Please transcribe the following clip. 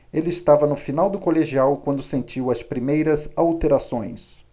ele estava no final do colegial quando sentiu as primeiras alterações